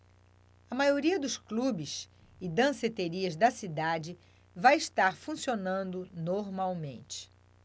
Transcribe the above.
a maioria dos clubes e danceterias da cidade vai estar funcionando normalmente